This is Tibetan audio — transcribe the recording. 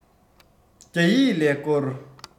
རྒྱ ཡིག ཀླད ཀོར